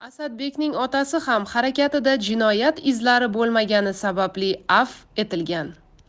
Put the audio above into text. asadbekning otasi ham harakatida jinoyat izlari bo'lmagani sababli afv etilgan